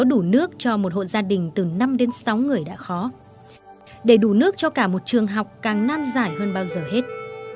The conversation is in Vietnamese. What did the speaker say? đủ nước cho một hộ gia đình từ năm đến sáu người đã khó để đủ nước cho cả một trường học càng nan giải hơn bao giờ hết